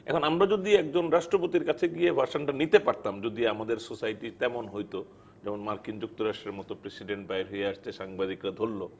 এখন আমরা যদি একজন রাস্ট্রপতির কাছে গিয়ে ভার্শন টা নিতে পারতাম যদি আমাদের সোসাইটি তেমন হইত যেমন মার্কিন যুক্তরাষ্ট্রের মতো প্রেসিডেন্ট বাইর হয়ে আসে সাংবাদিকরা ধরল